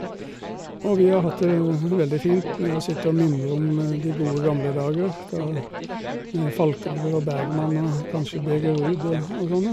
Og vi har hatt det veldig fint med å sitte og mimre om de gode gamle dager da med Falkanger og Bergmann og kanskje Birger Ruud og og sånne.